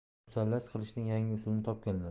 musallas qilishning yangi usulini topganlar